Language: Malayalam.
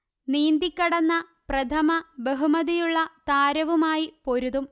നീന്തി കടന്ന പ്രഥമ ബഹുമതിയുള്ള താരവുമായി പൊരുതും